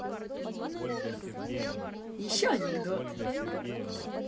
еще анекдот